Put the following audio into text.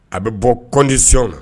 A bɛ bɔ kɔndisi na